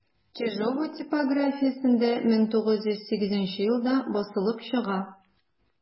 Чижова типографиясендә 1908 елда басылып чыга.